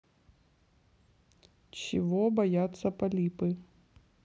чего боятся полипы